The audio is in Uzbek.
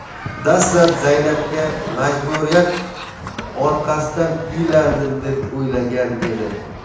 dastlab zaynabga majburiyat orqasidan uylandim deb o'ylagan edi